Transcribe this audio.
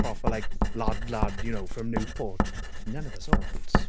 proper like lad lad you know from Newport. None of the sort.